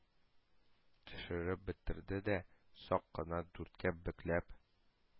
Төшереп бетерде дә, сак кына дүрткә бөкләп,